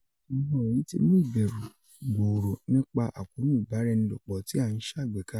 Awọn irohin ti mu ibẹru gbooro nipa akoonu ibara-ẹni-lopọ ti a n ṣagbeka